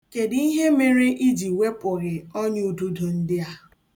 Kedụ ihe mere iji wepụghị ọnyaududo ndịa?